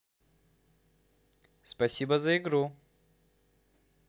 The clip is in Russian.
спасибо за игру